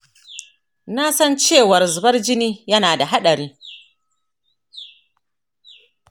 na san cewa zubar jini yana da haɗari.